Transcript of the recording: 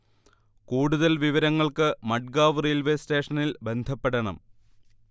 കൂടുതൽ വിവരങ്ങൾക്ക് മഡ്ഗാവ് റെയിൽവേ സ്റ്റേഷനിൽ ബന്ധപ്പെടണം